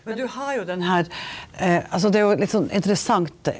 men du har jo den her altså det er jo litt sånn interessant.